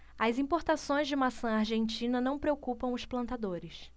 as importações de maçã argentina não preocupam os plantadores